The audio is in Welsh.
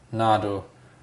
nadw.